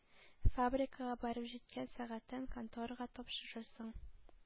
Фабрикага барып җиткән сәгатьтә конторага тапшырырсың.